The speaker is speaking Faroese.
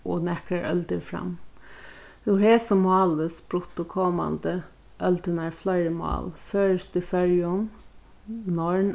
og nakrar øldir fram úr hesum máli spruttu komandi øldirnar fleiri mál føroyskt í føroyum norn